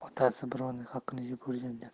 otasi birovning haqqini yeb o'rgangan